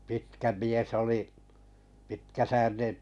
pitkä mies oli pitkäsäärinen